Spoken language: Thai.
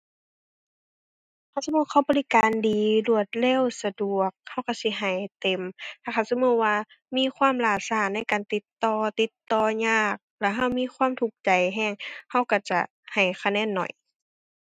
ถ้าสมมุติว่าเขาบริการดี รวดเร็ว สะดวก เราเราสิให้เต็ม ถ้าคันสมมุติว่ามีความล่าเราในการติดต่อ ติดต่อยาก แล้วเรามีความทุกข์ใจเรา เราเราจะให้คะแนนน้อย